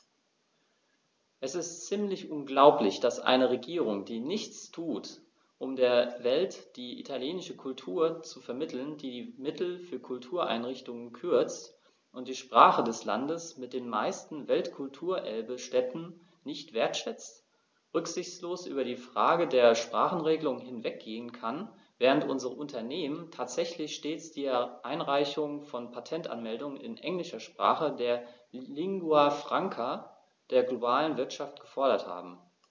Es ist ziemlich unglaublich, dass eine Regierung, die nichts tut, um der Welt die italienische Kultur zu vermitteln, die die Mittel für Kultureinrichtungen kürzt und die Sprache des Landes mit den meisten Weltkulturerbe-Stätten nicht wertschätzt, rücksichtslos über die Frage der Sprachenregelung hinweggehen kann, während unsere Unternehmen tatsächlich stets die Einreichung von Patentanmeldungen in englischer Sprache, der Lingua Franca der globalen Wirtschaft, gefordert haben.